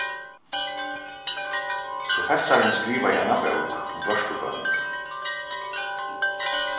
professarin skrivaði eina bók um børkubøndur